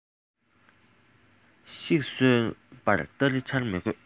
ཤིག གསོད པར སྟ རེ འཕྱར མི དགོས